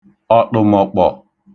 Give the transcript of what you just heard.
ọ̀ṭụ̀mọ̀kpọ̀